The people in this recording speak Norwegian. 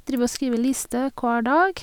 Driver og skriver liste hver dag.